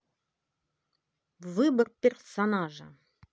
выбор персонажа